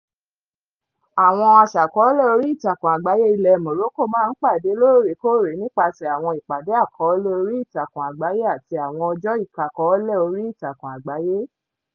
Àwọn aṣàkọọ́lẹ̀ oríìtakùn àgbáyé ilẹ̀ Morocco máa ń pàdé lóòrèkóòrè nípasẹ̀ àwọn ìpàdé àkọọ́lẹ̀ oríìtakùn àgbáyé àti àwọn ọjọ́ ìkọàkọọ́lẹ̀ oríìtakùn àgbáyé.